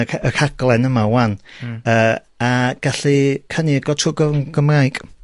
y cy- y rhaglen yma 'wan... Hmm. ...yy a gallu cynnig o trw gyfrwng Gymraeg.